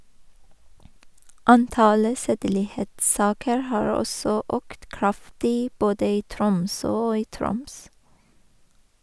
Antallet sedelighetssaker har også økt kraftig, både i Tromsø og i Troms.